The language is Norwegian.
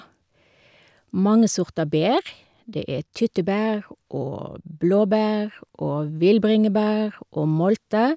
Mange sorter bær, det er tyttebær og blåbær og villbringebær og molte.